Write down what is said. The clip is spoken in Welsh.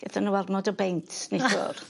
gethon n'w ormod o beints nithwr.